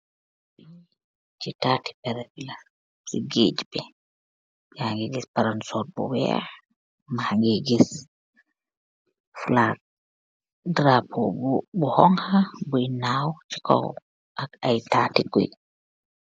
Fi tati berab laah , si kegg bi yakeh giss paransurr bu weeh , makeh giss flag darabo bu honha , bui naaw si koow ak ayy tati kuii.